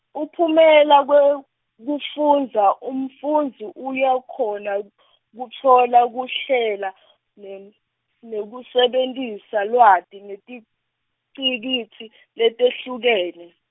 umphumela wekufundza umfundzi uyakhona , kutfola kuhlela , nem- nekusebentisa lwati ngetingcikitsi letehlukene.